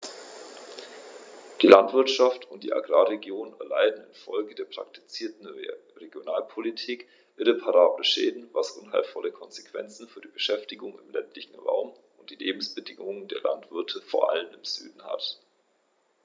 Die Landwirtschaft und die Agrarregionen erleiden infolge der praktizierten Regionalpolitik irreparable Schäden, was unheilvolle Konsequenzen für die Beschäftigung im ländlichen Raum und die Lebensbedingungen der Landwirte vor allem im Süden hat.